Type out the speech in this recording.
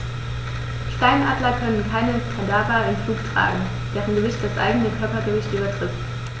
Steinadler können keine Kadaver im Flug tragen, deren Gewicht das eigene Körpergewicht übertrifft.